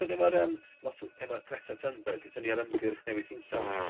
T'od efo'r yym lot o... Efo Greta Thunberg yn tynnu ar ymgyrch newid hinsawdd